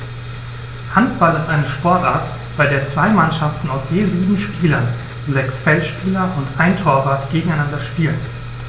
Handball ist eine Sportart, bei der zwei Mannschaften aus je sieben Spielern (sechs Feldspieler und ein Torwart) gegeneinander spielen.